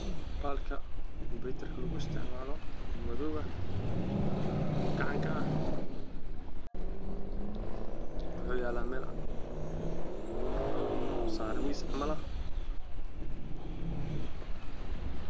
Waa gacanka loo isticmaalo kumpiitarka